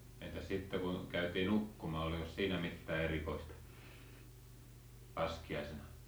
entäs sitten kun käytiin nukkumaan olikos siinä mitään erikoista laskiaisena